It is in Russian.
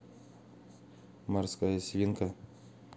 морская свинка